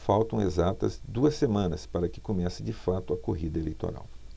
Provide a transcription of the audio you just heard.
faltam exatas duas semanas para que comece de fato a corrida eleitoral